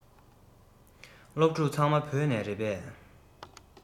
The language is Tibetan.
སློབ ཕྲུག ཚང མ བོད ནས རེད པས